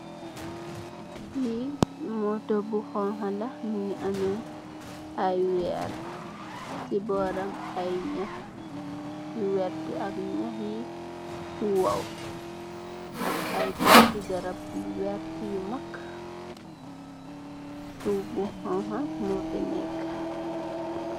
Lii moto bu xonxu la, mingi amme ay weer, booram ay nyax yu werta ak nyax yu woow, ak ay taati garab yu werta yu magg, suuf bu xonxa mu fi neka.